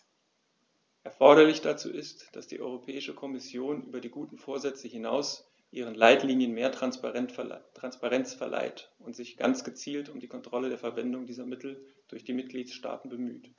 Erforderlich dazu ist, dass die Europäische Kommission über die guten Vorsätze hinaus ihren Leitlinien mehr Transparenz verleiht und sich ganz gezielt um die Kontrolle der Verwendung dieser Mittel durch die Mitgliedstaaten bemüht.